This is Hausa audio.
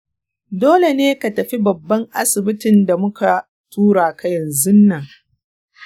dole ne ka tafi babban asibitin da muka tura ka yanzu nan.